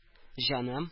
Җаным